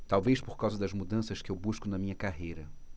talvez por causa das mudanças que eu busco na minha carreira